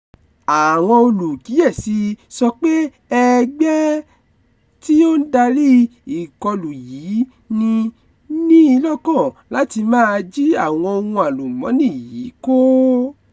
Àwọn olùkíyèsí sọ pé ẹgbẹ́ tí ó ń darí ìkọlù yìí ní i lọ́kàn láti máa jí àwọn ohun àlùmọ́nì yìí kó.